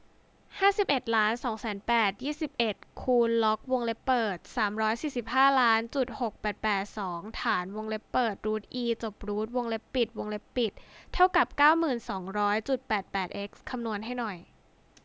ห้าสิบเอ็ดล้านสองแสนแปดยี่สิบเอ็ดคูณล็อกวงเล็บเปิดสามร้อยสี่สิบห้าล้านจุดหกแปดแปดสองฐานวงเล็บเปิดรูทอีจบรูทวงเล็บปิดวงเล็บปิดเท่ากับเก้าหมื่นสองร้อยจุดแปดแปดเอ็กซ์คำนวณให้หน่อย